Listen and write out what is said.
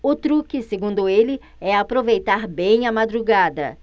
o truque segundo ele é aproveitar bem a madrugada